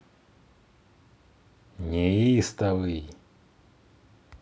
неистовый